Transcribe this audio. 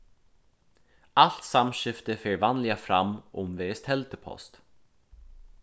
alt samskifti fer vanliga fram umvegis teldupost